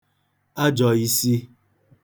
ajọ̄īsī